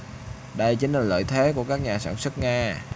đây chính là lợi thế của các nhà sản xuất nga